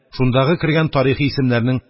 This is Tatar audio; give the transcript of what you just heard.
Шундагы кергән тарихи исемнәрнең